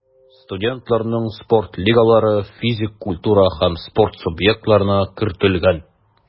Студентларның спорт лигалары физик культура һәм спорт субъектларына кертелгән.